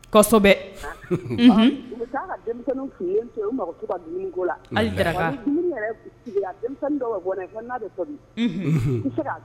Bɛ